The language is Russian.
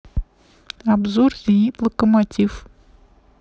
обзор зенит локомотив